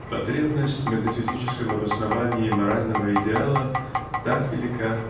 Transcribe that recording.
потребность в метафизическом обосновании морального идеала так велика